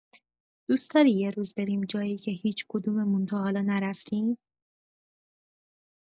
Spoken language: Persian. دوست‌داری یه روز بریم جایی که هیچ‌کدوممون تا حالا نرفتیم؟